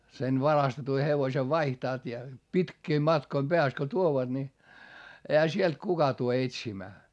sen varastetun hevosen vaihtavat ja pitkien matkojen päästä kun tuovat niin eihän sieltä kukaan tule etsimään